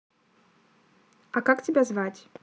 а как тебя звать